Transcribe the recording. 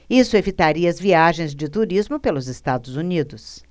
isso evitaria as viagens de turismo pelos estados unidos